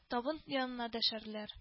Табын янына дәшәрләр…